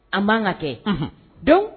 An b'an ka kɛ don